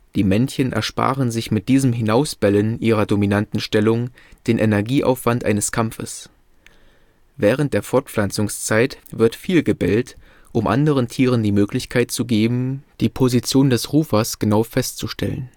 Die Männchen ersparen sich mit diesem Hinausbellen ihrer dominanten Stellung den Energieaufwand eines Kampfes. Während der Fortpflanzungszeit wird viel gebellt, um anderen Tieren die Möglichkeit zu geben, die Position des Rufers genau festzustellen